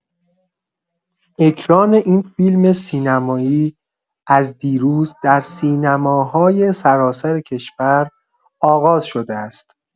اکران این فیلم سینمایی از دیروز در سینماهای سراسر کشور آغاز شده است.